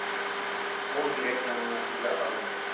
Ул йөрәк януына түзә алмый